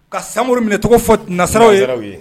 Ka samuru minɛ tɔgɔ fɔ nasiraraw yɛrɛw ye